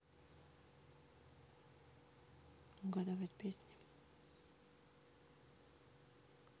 угадывать песни